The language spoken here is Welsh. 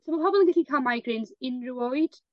So ma' pobol yn gallu ca'l migraines unryw oed.